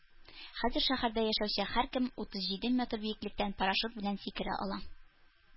Хәзер шәһәрдә яшәүче һәркем утыз җиде метр биеклектән парашют белән сикерә ала